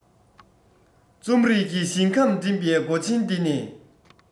རྩོམ རིག གི ཞིང ཁམས འགྲིམས པའི སྒོ ཆེན འདི ནས